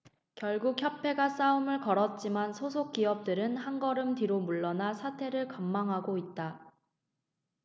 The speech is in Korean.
결국 협회가 싸움을 걸었지만 소속기업들은 한걸음 뒤로 물러나 사태를 관망하고 있다